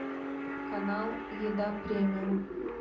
канал еда премиум